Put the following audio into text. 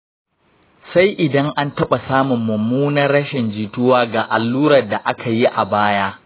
sai idan an taɓa samun mummunar rashin jituwa ga allurar da aka yi a baya.